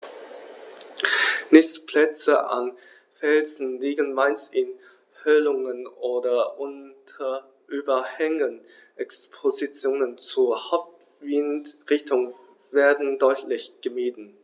Nistplätze an Felsen liegen meist in Höhlungen oder unter Überhängen, Expositionen zur Hauptwindrichtung werden deutlich gemieden.